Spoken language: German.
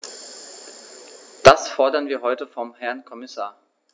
Das fordern wir heute vom Herrn Kommissar.